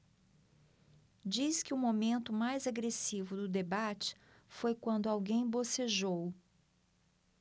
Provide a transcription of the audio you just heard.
diz que o momento mais agressivo do debate foi quando alguém bocejou